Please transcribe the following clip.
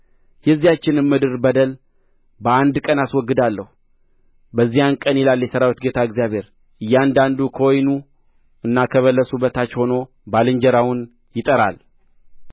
የዚያችንም ምድር በደል በአንድ ቀን አስወግዳለሁ በዚያ ቀን ይላል የሠራዊት ጌታ እግዚአብሔር እያንዳንዱ ከወይኑና ከበለሱ በታች ሆኖ ባልንጀራውን ይጠራል